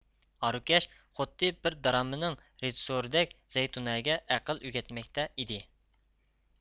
ھارۋىكەش خۇددى بىر دراممىنىڭ رېژىسسورىدەك زەيتۇنەگە ئەقىل ئۆگەتمەكتە ئىدى